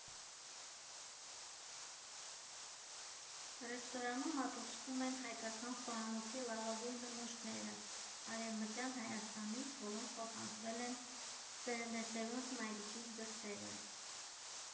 Ռեստորանում մատուցվում են հայկական խոհանոցի լավագույն նմուշները Արևմտյան Հայաստանից, որոնք փոխանցվել են սերնդեսերունդ, մայրիկից դստերը։